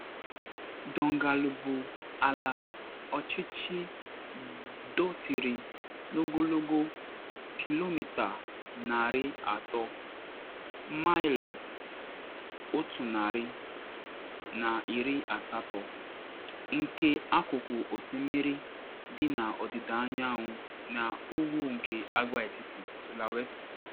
Donggala bụ ala ọchịchị dọtịrị n’ogologo 300 km (maịlụ 180) nke akụkụ osimiri dị na ọdịda anyanwụ na ugwu nke agwaetiti Sulawesi.